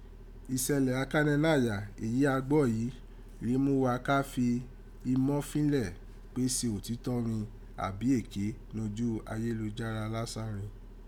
Ìsẹ̀lẹ̀ akànẹnáàyà èyí a gbọ yii rèé mu wa ka fi imọ́ finlẹ pe se òtítọ́ rin àbí èké noju ayélujára lasán rin.